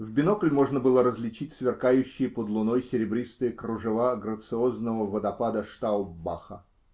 в бинокль можно было различить сверкающие под луной серебристые кружева грациозного водопада Штауббаха.